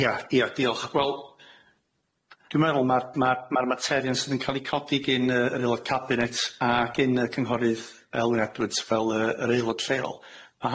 Ia ia diolch wel dwi'n meddwl ma'r ma'r ma'r materion sydd yn ca'l eu codi gin yy yr Aelod Cabinet a gin yy cynghorydd Elwyn Edwards fel yy yr Aelod lleol.